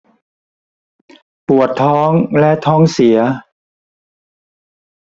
ปวดท้องและท้องเสีย